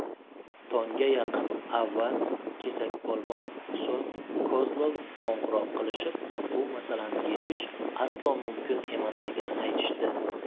tongga yaqin avval kesakpolvon so'ng kozlov qo'ng'iroq qilishib bu masalani yechish aslo mumkin emasligini aytishdi